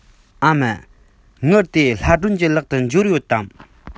ཨ མ དངུལ དེ ལྷ སྒྲོན གྱི ལག ཏུ འབྱོར ཡོད དམ